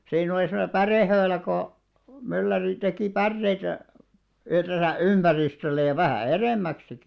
siinä oli semmoinen pärehöylä kun mylläri teki päreitä yhdessä ympäristölle ja vähän edemmäksikin